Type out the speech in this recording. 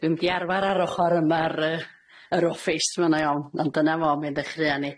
Dwi'm 'di arfar ar ochor yma'r yy yr offis ma' a'na i ofn, ond dyna fo mi ddechreuan ni.